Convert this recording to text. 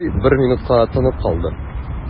Строй бер минутка тынып калды.